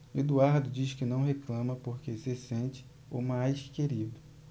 eduardo diz que não reclama porque se sente o mais querido